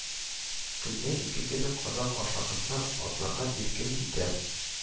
Көненә ике генә кадак ашаганда, атнага иркен җитә"